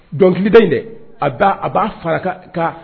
Dɔnkilida in dɛ a b'a faga k'a